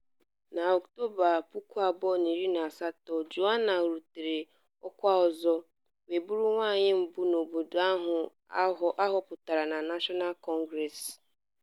Na Ọktoba 2018, Joenia rutere ọkwá ọzọ, wee bụrụ nwaanyị mbụ n'obodo ahụ a họpụtara na National Congress.